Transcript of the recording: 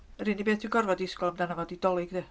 Yr unig beth dwi'n gorfod disgwyl amdano fo 'di dolig de.